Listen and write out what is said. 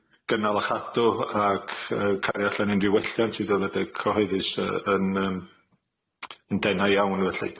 gynnal a chadw, ac yy cario allan unrhyw welliant i doileda cyhoeddus yy yn yym yn dena' iawn felly.